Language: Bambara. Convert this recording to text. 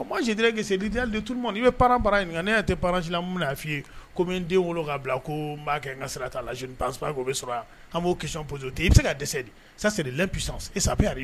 Gese in ne'i den ka bila ko n kɛ n ka sira' i bɛ se ka dɛsɛsɔn